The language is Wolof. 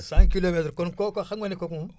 cent kilomètres la kon kooka xam nga ne kooku moom